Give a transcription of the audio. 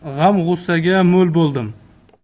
g'am g'ussaga mo'l bo'ldim